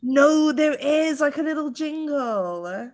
No there is like a little jingle.